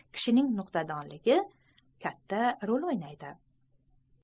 kishining nuktadonligi katta rol o'ynaydi